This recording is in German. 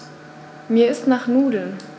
Mir ist nach Nudeln.